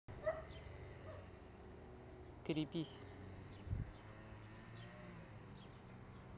крепись